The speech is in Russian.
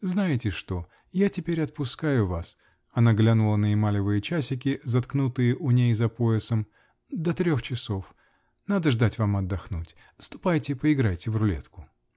Знаете что: я теперь отпускаю вас (она глянула на эмалевые часики, заткнутые у ней за поясом). до трех часов. Надо ж дать вам отдохнуть. Ступайте поиграйте в рулетку.